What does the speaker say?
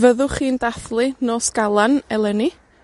Fyddwch chi'n dathlu Nos Galan eleni?